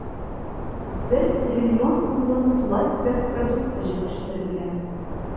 1 трлн сумлык тулай төбәк продукты җитештерелгән.